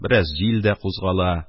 Бераз җил дә кузгала.